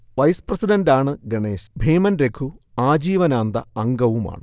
vice പ്രസിഡന്റാണ് ഗണേശ്, ഭീമൻരഘു ആജീവനാന്ത അംഗവുമാണ്